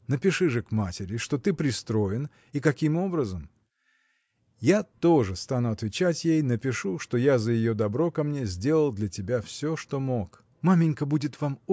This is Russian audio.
– Напиши же к матери, что ты пристроен и каким образом. Я тоже стану отвечать ей напишу что я за ее добро ко мне сделал для тебя все что мог. – Маменька будет вам.